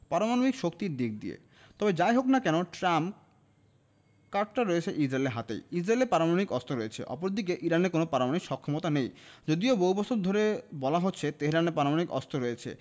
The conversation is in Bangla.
পারমাণবিক শক্তির দিক দিয়ে তবে যা ই হোক না কেন ট্রাম্প কার্ডটা রয়েছে ইসরায়েলের হাতেই ইসরায়েলের পারমাণবিক অস্ত্র রয়েছে অপরদিকে ইরানের কোনো পারমাণবিক সক্ষমতা নেই যদিও বহু বছর ধরে বলা হচ্ছে তেহরানের পারমাণবিক অস্ত্র রয়েছে